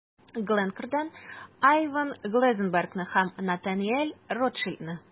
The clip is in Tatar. Glencore'дан Айван Глазенбергны һәм Натаниэль Ротшильдны.